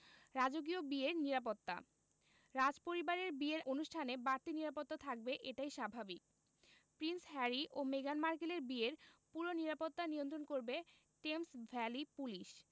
রাজকীয় বিয়ের নিরাপত্তা রাজপরিবারের বিয়ের অনুষ্ঠানে বাড়তি নিরাপত্তা থাকবে এটাই তো স্বাভাবিক প্রিন্স হ্যারি ও মেগান মার্কেলের বিয়ের পুরো নিরাপত্তা নিয়ন্ত্রণ করবে টেমস ভ্যালি পুলিশ